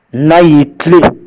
N'a y'i tile